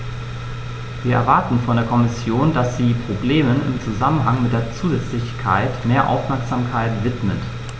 Wir erwarten von der Kommission, dass sie Problemen im Zusammenhang mit der Zusätzlichkeit mehr Aufmerksamkeit widmet.